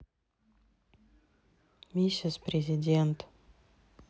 миссис президент